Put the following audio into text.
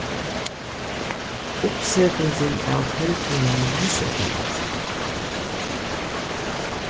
uppsetingin av teldlinum miseydnaðist